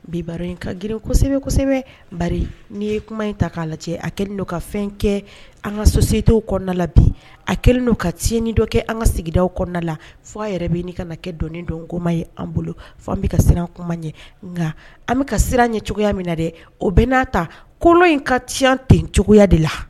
Biba in ka grin kosɛbɛ kosɛbɛ ba n'i ye kuma in ta k'a lajɛ cɛ a kɛlen don ka fɛn kɛ an ka so sedenw kɔnɔna la bi a kɛlen don ka tiɲɛn ni dɔ kɛ an ka sigida kɔnɔna la f fɔ a yɛrɛ bɛ' kana kɛ dɔn don koma ye an bolo fɔ an bɛ ka siran an kuma ɲɛ nka an bɛka ka siran ɲɛ cogoya min na dɛ o bɛ n'a ta ko in ka ci ten cogoya de la